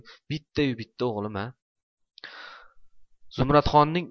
bitta yu bitta o'g'lim a